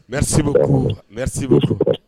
Mɛ bɛbugu mɛ bɛbugu